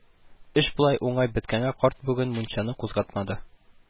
Эш болай уңай беткәнгә карт бүген мунчаны кузгатмады